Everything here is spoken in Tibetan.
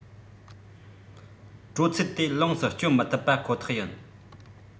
དྲོད ཚད དེ ལོངས སུ སྤྱོད མི ཐུབ པ ཁོ ཐག ཡིན